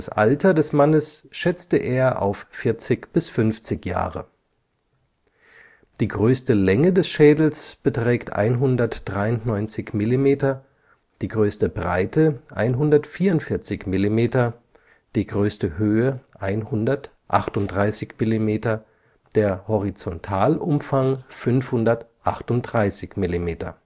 Alter des Mannes schätzte er auf 40 bis 50 Jahre. Die größte Länge des Schädels beträgt 193 mm, die größte Breite 144 mm, die größte Höhe 138 mm, der Horizontalumfang 538 mm